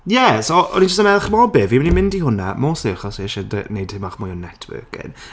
Ie, so o'n i jyst yn meddwl, chimod be? Fi'n mynd i mynd i hwnna, mostly achos o'n i eisiau d- wneud tipyn bach mwy o networking.